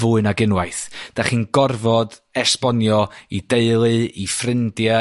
fwy nag unwaith. Dach chi'n gorfod esbonio i deulu, i ffrindie,